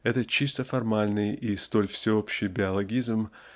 это чисто формальный и столь всеобщий биологизм